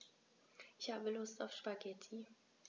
Ich habe Lust auf Spaghetti.